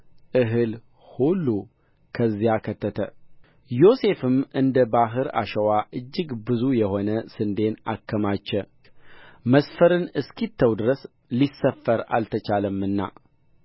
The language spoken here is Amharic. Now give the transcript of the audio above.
እህል ሁሉ በዚያው ከተተ ዮሴፍም እንደ ባሕር አሸዋ እጅግ ብዙ የሆነ ስንዴን አከማቸ መስፈርን እስኪተው ድረስ ሊሰፈር አልተቻለምና